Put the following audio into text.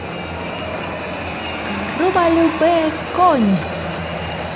группа любэ конь